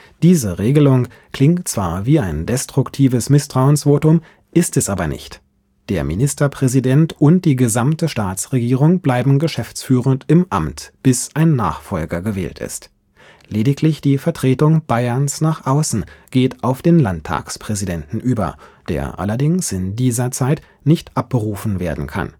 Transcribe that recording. Diese Regelung klingt zwar wie ein destuktives Mißtrauensvotum, ist es aber nicht: Der Ministerpräsident und die gesamte Staatsregierung bleiben geschäftsführend im Amt, bis ein Nachfolger gewählt ist - lediglich die Vertretung Bayerns nach außen geht auf den Landtagspräsidenten über, der allerdings in dieser Zeit nicht abberufen werden kann